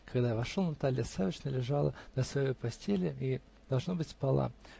Когда я вошел, Наталья Савишна лежала на своей постели и, должно быть, спала